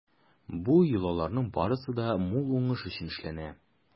Бу йолаларның барысы да мул уңыш өчен эшләнә.